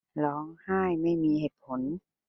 ร้องไห้ไม่มีเหตุผล